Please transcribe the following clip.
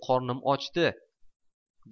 qornim ochdi